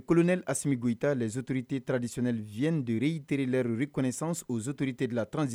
Kolonɛ ssimebu ita zourete tar de7el2iy dee itere urk26 oote latranze